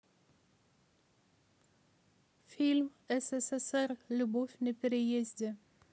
фильм ссср любовь на переезде